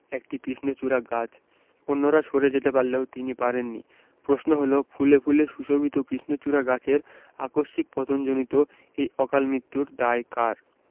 একটি কৃষ্ণচূড়া গাছ অন্যরা সরে যেতে পারলেও তিনি পারেননি প্রশ্ন হলো ফুলে ফুলে সুশোভিত কৃষ্ণচূড়া গাছের আকস্মিক পতনজনিত এই অকালমৃত্যুর দায় কার